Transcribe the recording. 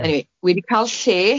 Eniwe, wi 'di ca'l lle.